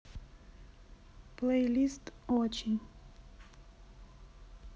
плейлист очень